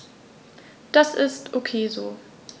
Das ist ok so.